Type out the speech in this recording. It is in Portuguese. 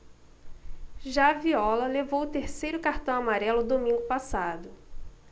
já viola levou o terceiro cartão amarelo domingo passado